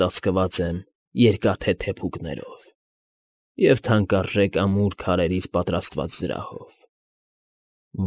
Ծածկված եմ երկաթե թեփուկներով և թանկարժեք ամուր քարերից պատրաստված զրահով։